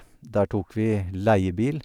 Der tok vi leiebil.